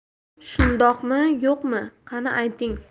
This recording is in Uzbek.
shundoqmi yo'qmi qani ayting